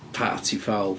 Party Fowl.